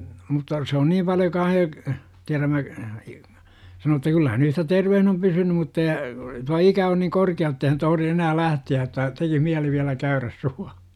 mutta se on niin paljon kanssa jo tiedämme sanoi että kyllä hän yhtä terveenä on pysynyt mutta ja tuo ikä on niin korkea jotta ei hän tohdi enää lähteä että teki mieli vielä käydä -